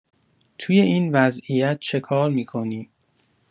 توی این وضعیت چه کار می‌کنی؟